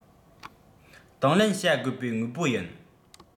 དང ལེན བྱ དགོས པའི དངོས པོ ཡིན